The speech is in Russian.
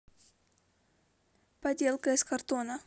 поделка из картона